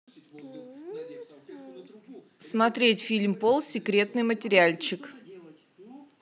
смотреть фильм пол секретный материальчик